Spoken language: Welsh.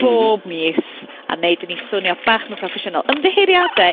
bob mis a neud i ni swnio bach mwy proffesiynol, ymddiheuriade...